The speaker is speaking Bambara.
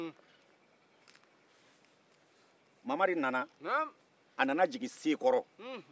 mamari nana jigin seekɔrɔ